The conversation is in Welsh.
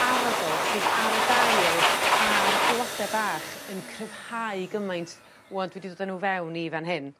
arogl sydd ar y dail a'r blode bach yn cryfhau gymaint ŵan dwi 'di dod â n'w fewn i fan hyn.